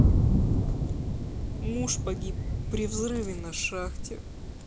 муж погиб при взрыве на шахте